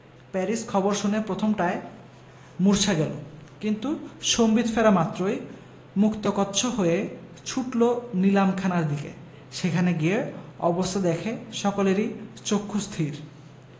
Paris খবর শুনে প্রথমটায় মুর্ছা গেল কিন্তু সম্বিত ফেরা মাত্রই মুক্তকচ্ছ হয়ে ছুটল নিলাম খানার দিকে সেখানে গিয়ে অবস্থা দেখে সকলেরই চক্ষুস্থির